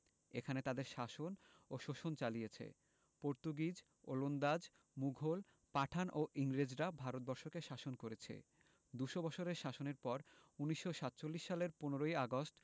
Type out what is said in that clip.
এখানে তাদের শাসন ও শোষণ চালিছে পর্তুগিজ ওলন্দাজ মুঘল পাঠান ও ইংরেজরা ভারত বর্ষকে শাসন করেছে দু'শ বছরের শাসনের পর ১৯৪৭ সালের ১৫ ই আগস্ট